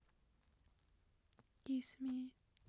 кисс ми